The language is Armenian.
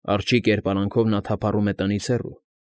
Արջի կերպարանքով նա թափառում է տնից հեռու։